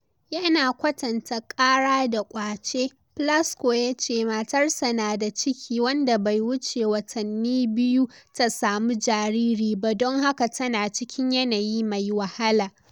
ya na kwatanta kara da “kwace,” Plasco ya ce matarsa na da ciki wanda bai wuce watanni biyu ta samu jariri ba don haka tana cikin "yanayi mai wahala."